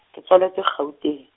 ke tswaletswe Gauteng.